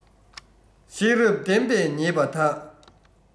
ཤེས རབ ལྡན པས ཉེས པ དག